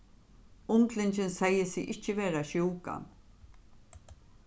unglingin segði seg ikki vera sjúkan